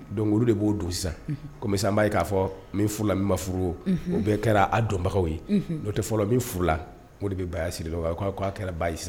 Donc ulu de b'o don sisan comme sisan an b'a ye k'a fɔ min furu la min man furu o bɛɛ kɛra a donbagaw ye tɛ fɔlɔ min furula olu de bɛ baya siri k'a kɛra ba sisan.